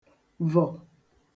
vọ̀